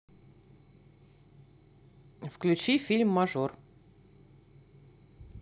включи фильм мажор